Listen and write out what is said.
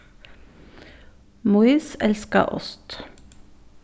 mýs elska ost